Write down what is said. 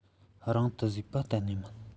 རང དུ བཟོས བ གཏན ནས མིན